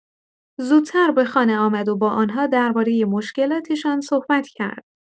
زودتر به خانه آمد و با آن‌ها درباره مشکلاتشان صحبت کرد.